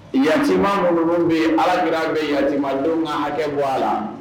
Yama minnu minnu bɛ alaki bɛ yamadenw ka hakɛ bɔ a la